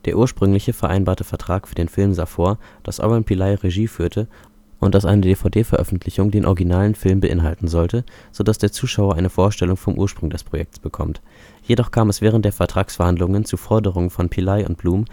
ursprüngliche vereinbarte Vertrag für den Film sah vor, dass Oren Peli Regie führte und dass eine DVD-Veröffentlichung den originalen Film beinhalten sollte, sodass der Zuschauer eine Vorstellung vom Ursprung des Projektes bekommt. Jedoch kam es während der Vertragsverhandlungen zur Forderung von Peli und Blum